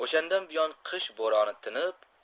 o'shandan buyon qish bo'roni tinib